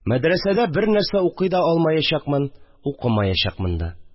Мәдрәсәдә бернәрсә укый да алмаячакмын, укымаячакмын да